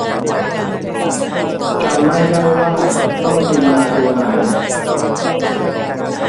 จำไม่ได้ว่าต้องกินยาตัวไหน